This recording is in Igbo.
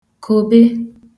kòbe